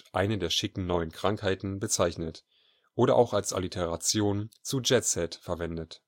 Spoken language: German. eine der schicken neuen Krankheiten “) bezeichnet oder auch als Alliteration zu Jetset verwendet